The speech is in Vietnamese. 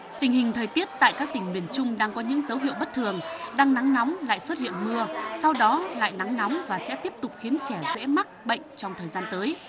tình hình thời tiết tại các tỉnh miền trung đang có những dấu hiệu bất thường đang nắng nóng lại xuất hiện mưa sau đó lại nắng nóng và sẽ tiếp tục khiến trẻ dễ mắc bệnh trong thời gian tới